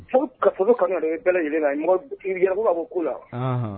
Ka bɛɛ lajɛlen la mɔgɔ' bɔ ko la